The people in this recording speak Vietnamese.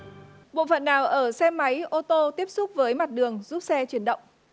bộ phận nào ở xe máy ô tô tiếp xúc với mặt đường giúp xe chuyển động